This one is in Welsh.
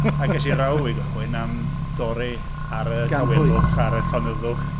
A ges i row i gychwyn, am dorri ar y dawelwch, ar y llonyddwch.